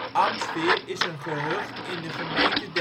Amsweer is een gehucht in de gemeente